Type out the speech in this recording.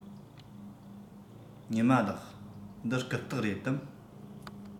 ཉི མ ལགས འདི རྐུབ སྟེགས རེད དམ